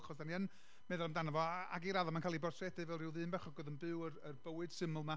achos dan ni yn meddwl amdano fo... a- ac, i raddau, mae'n cael ei bortreadu fel ryw ddyn bach ac oedd yn byw yr yy bywyd syml 'ma.